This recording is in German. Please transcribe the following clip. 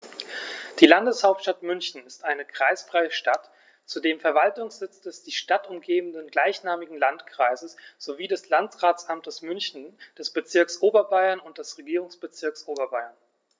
Die Landeshauptstadt München ist eine kreisfreie Stadt, zudem Verwaltungssitz des die Stadt umgebenden gleichnamigen Landkreises sowie des Landratsamtes München, des Bezirks Oberbayern und des Regierungsbezirks Oberbayern.